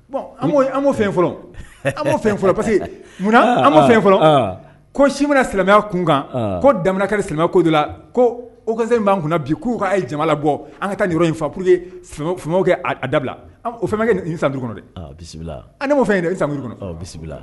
Bon an an fɔlɔ parce que munna an fɛn fɔlɔ ko si mana silamɛya kunkan ko da kɛra silamɛya ko de la ko o gan b'a kunna bi k'u'a ye jamana bɔ an ka taa in fapur kɛ dabila o fɛn kɛ san kɔnɔ bisimila'o san kɔnɔ bisimila